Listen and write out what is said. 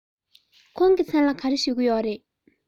ཁོང གི མཚན ལ ག རེ ཞུ གི ཡོད རེད